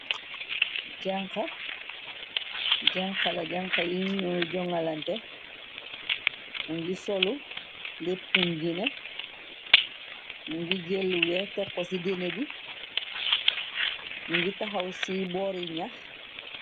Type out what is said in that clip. janxala janxa yi ñooy jongalante mu ngi solu léppum gine mu ngi jëllu wee tekqo ci dina bi mu ngi taxaw ci boori ñax